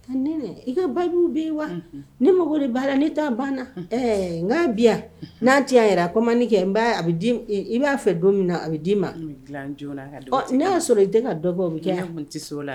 Nɛnɛ i ka babiw bɛ yi wa ne mago de b'a la ne ta bana n'a bɛ y'a n'a tɛ ya yɛrɛ a kɔmani kɛ i b'a fɛ don min na a bɛ d'i ma gilan joona ka di o tigima ma n'a y'a sɔrɔ i tɛ ka dɔ